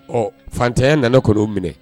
Ɔ fantanya nana kɔni'o minɛ